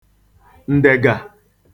ǹdègà